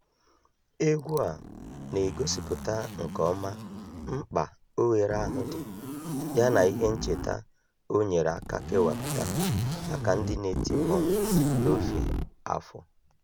Egwu a na-egosipụta nke ọma mkpa oghere ahụ dị, yana ihe ncheta o nyere aka kepụta maka ndị na-eti mmọnwụ n'ofe afọ.